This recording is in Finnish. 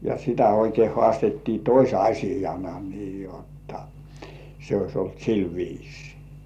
ja sitä oikein haastettiin tosiasiana niin jotta se olisi ollut sillä viisiin